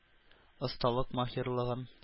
Осталык-маһирлыгын